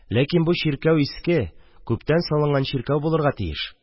Ләкин бу чиркәү иске, күптән салынган чиркәү булырга тиеш.